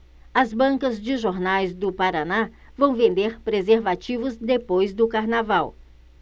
as bancas de jornais do paraná vão vender preservativos depois do carnaval